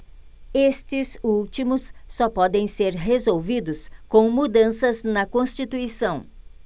estes últimos só podem ser resolvidos com mudanças na constituição